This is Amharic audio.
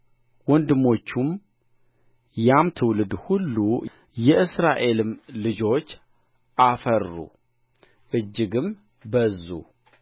ወንድሞቹም ያም ትውልድ ሁሉ የእስራኤልም ልጆች አፈሩ እጅግም በዙ